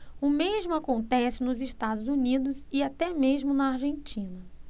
o mesmo acontece nos estados unidos e até mesmo na argentina